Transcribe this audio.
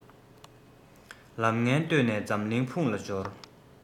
ལམ ངན བཏོད ནས འཛམ གླིང འཕུང ལ སྦྱོར